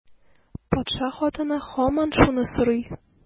Патша хатыны һаман шуны сорый.